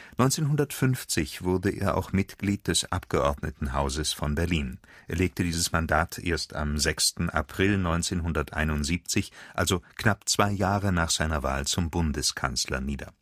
1950 wurde er auch Mitglied des Abgeordnetenhauses von Berlin. Er legte dieses Mandat erst am 6. April 1971, also knapp zwei Jahre nach seiner Wahl zum Bundeskanzler, nieder